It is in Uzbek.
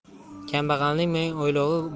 kambag'alning ming o'ylovi